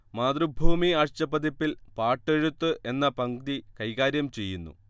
മാതൃഭൂമി ആഴ്ചപ്പതിപ്പിൽ പാട്ടെഴുത്ത് എന്ന പംക്തി കൈകാര്യം ചെയ്യുന്നു